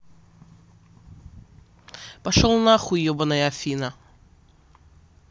пошел нахуй ебаная афина